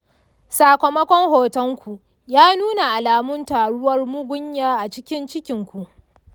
sakamakon hoton ku ya nuna alamun taruwar mugunya a cikin cikin ku.